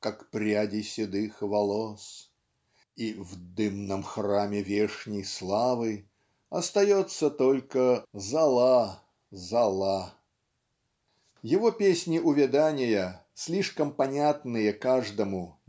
как пряди седых волос" и в "дымном храме вешней славы" остается только "зола зола" его песни увядания слишком понятные каждому